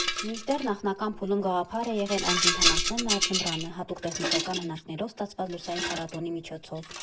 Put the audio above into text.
Մինչդեռ նախնական փուլում գաղափար է եղել այն կենդանացնել նաև ձմռանը՝ հատուկ տեխնիկական հնարքներով ստացված լուսային փառատոնի միջոցով.